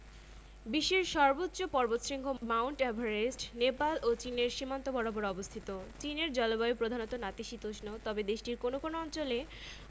দেশটির দক্ষিণে ভারত মহাসাগর অবস্থিত আয়তন ৩২ লক্ষ ৮৭ হাজার ২৪০ বর্গ কিমি এবং লোক সংখ্যা ১৩১ কোটি ৯৫ লক্ষ ৭৭ হাজার ৯৫৮ জন